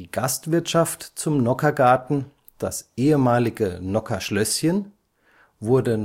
Gastwirtschaft Zum Nockhergarten, das ehemalige „ Nockherschlösschen “, wurde